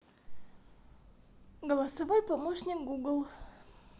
голосовой помощник google